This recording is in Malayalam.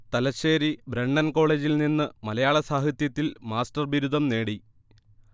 തലശ്ശേരി ബ്രണ്ണൻ കോളേജിൽ നിന്ന് മലയാള സാഹിത്യത്തിൽ മാസ്റ്റർ ബിരുദം നേടി